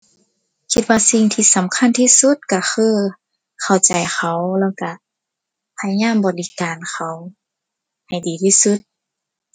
คิดว่าสิ่งที่สำคัญที่สุดก็คือเข้าใจเขา แล้วก็พยายามบริการเขาให้ดีที่สุด